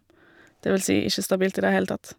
Det vil si ikke stabilt i det heile tatt.